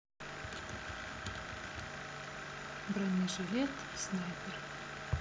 бронежжелет снайпер